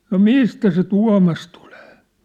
no mistä se Tuomas tulee